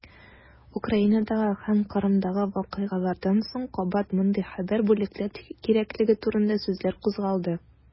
Украинадагы һәм Кырымдагы вакыйгалардан соң кабат мондый хәрби бүлекләр кирәклеге турында сүзләр кузгалды.